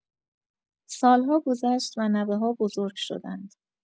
سال‌ها گذشت و نوه‌ها بزرگ شدند.